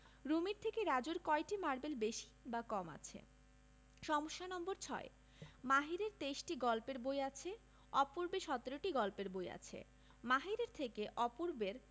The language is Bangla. রুমির থেকে রাজুর কয়টি মারবেল বেশি বা কম আছে সমস্যা নম্বর ৬ মাহিরের ২৩টি গল্পের বই আছে অপূর্বের ১৭টি গল্পের বই আছে মাহিরের থেকে অপূর্বের